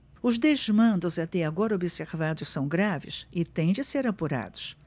os desmandos até agora observados são graves e têm de ser apurados